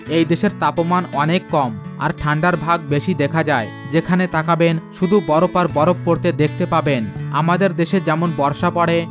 অনেক কম এদেশের তাপমান অনেক কম আর ঠান্ডার ভাগ বেশি দেখা যায় যেদিকে তাকাবেন শুধু বরফ আর বরফ পরতে দেখতে পাবেন আমাদের দেশে যেমন বর্ষা পরে